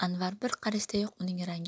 anvar bir qarashdayoq uning rangi